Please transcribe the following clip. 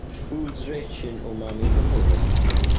Foods rich in umami components.